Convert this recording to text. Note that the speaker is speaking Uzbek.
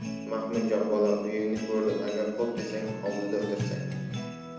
mahmudjon bolam uyingni ko'rdim agar xo'p desang hovlida o'tirsak